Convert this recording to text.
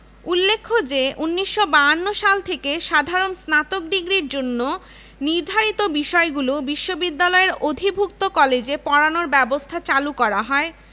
উল্লেখ্য যে ১৯৫২ সাল থেকে সাধারণ স্নাতক ডিগ্রির জন্য নির্ধারিত বিষয়গুলো বিশ্ববিদ্যালয়ের অধিভুক্ত কলেজে পড়ানোর ব্যবস্থা চালু করা হয়